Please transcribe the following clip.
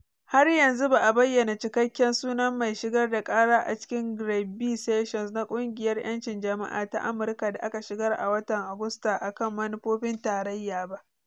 Har yanzu ba a bayyana Cikakken sunan mai shigar da ƙara a cikin “Grace v. Sessions” na Ƙungiyar 'Yancin Jama'a ta Amirka da aka shigar a watan Agusta a kan manufofin tarayya ba.